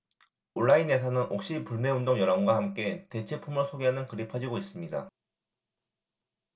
온라인에서는 옥시 불매운동 여론과 함께 대체품을 소개하는 글이 퍼지고 있습니다